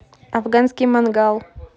афганский мангал